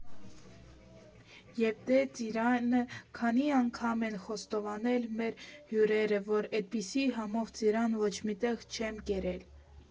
Եվ դե ծիրանը, քանի՜ անգամ են խոստովանել մեր հյուրերը, որ էդպիսի համով ծիրան ոչ մի տեղ չեն կերել։